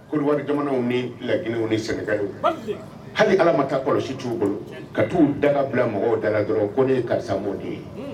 Korowari ni laginɛjamanaw ni sɛnɛgalijama hali allamata kɔlɔsi t'iw bolo, ka t'iw san bila mɔgɔw da la dɔrɔnw ko ne ye karisa mɔden ye , bali